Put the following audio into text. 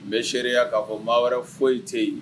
N bɛ seereya k'a fɔ maa wɛrɛ foyi tɛ yen